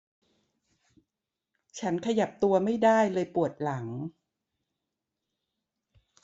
ฉันขยับตัวไม่ได้เลยปวดหลัง